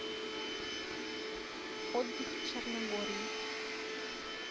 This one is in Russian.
отдых в черногории